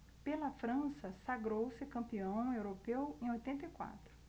pela frança sagrou-se campeão europeu em oitenta e quatro